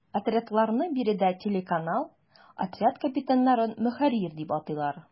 Отрядларны биредә “телеканал”, отряд капитаннарын “ мөхәррир” дип атыйлар.